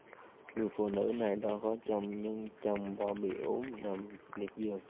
người phụ nữ này đã có chồng nhưng chồng bà bị ốm nằm liệt giường